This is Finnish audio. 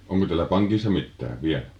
onko teillä pankissa mitään vielä